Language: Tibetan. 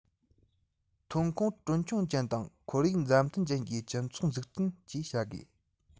ཐོན ཁུངས གྲོན ཆུང ཅན དང ཁོར ཡུག མཛའ མཐུན ཅན གྱི སྤྱི ཚོགས འཛུགས སྐྲུན བཅས བྱ དགོས